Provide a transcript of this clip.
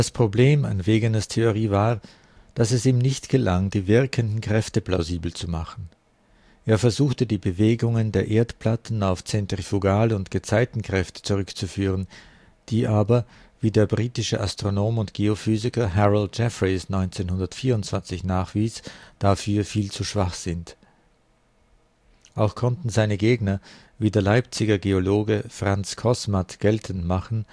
Problem an Wegeners Theorie war, dass es ihm nicht gelang, die wirkenden Kräfte plausibel zu machen. Er versuchte die Bewegungen der Erdplatten auf Zentrifugal - und Gezeitenkräfte zurückzuführen, die aber, wie der britische Astronom und Geophysiker Harold Jeffreys 1924 nachwies, dafür viel zu schwach sind. Auch konnten seine Gegner, wie der Leipziger Geologe Franz Kossmat, geltend machen